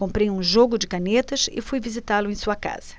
comprei um jogo de canetas e fui visitá-lo em sua casa